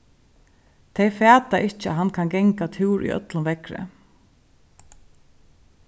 tey fata ikki at hann kann ganga túr í øllum veðri